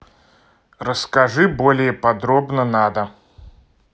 расскажи более подробно надо